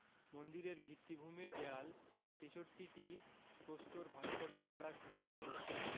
মন্দিরের ভিত্তিভূমির দেয়াল ৬৩টি প্রস্তর ভাস্কর্য দ্বারা সুশোভিত